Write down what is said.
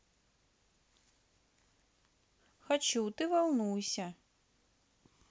хочу ты волнуйся